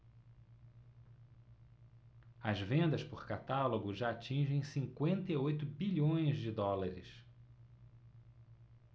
as vendas por catálogo já atingem cinquenta e oito bilhões de dólares